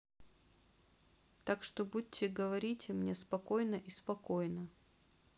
так что будьте говорите мне спокойно и спокойно